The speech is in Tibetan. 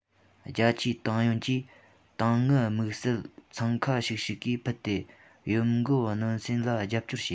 རྒྱ ཆེའི ཏང ཡོན གྱིས ཏང དངུལ དམིགས བསལ འཚང ཁ ཤིག ཤིག གིས ཕུལ ཏེ ཡོམ འགོག གནོད སེལ ལ རྒྱབ སྐྱོར བྱས